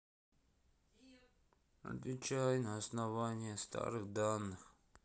отвечай на основании старых данных